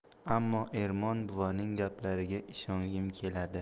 ammo ermon buvaning gaplariga ishongim keladi